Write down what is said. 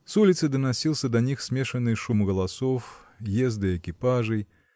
С улицы доносился до них смешанный шум голосов, езды экипажей.